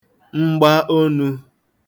mgbaonū